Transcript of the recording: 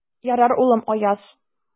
Ярар, улым, Аяз.